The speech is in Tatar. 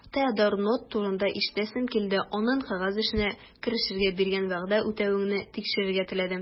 Теодор Нотт турында ишетәсем килде, аннан кәгазь эшенә керешергә биргән вәгъдә үтәвеңне тикшерергә теләдем.